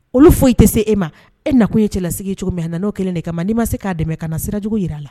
Olu foyi tɛ se e ma e nakun ye cɛ sigi cogo min a na' kelen de kama ma n' ma se'a dɛmɛ ka na sira jugu jira a la